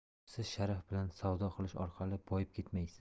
siz sharaf bilan savdo qilish orqali boyib ketmaysiz